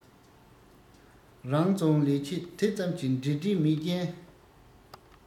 རང རྫོང ལས ཕྱི དེ ཙམ གྱི འབྲེལ འདྲིས མེད རྐྱེན